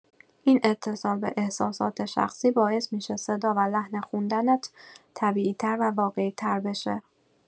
این اتصال به احساسات شخصی باعث می‌شه صدا و لحن خوندنت طبیعی‌تر و واقعی‌تر بشه.